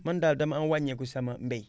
man daal dama am wàññeeku si sama mbay